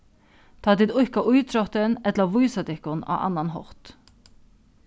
tá tit íðka ítróttin ella vísa tykkum á annan hátt